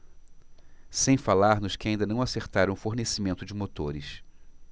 sem falar nos que ainda não acertaram o fornecimento de motores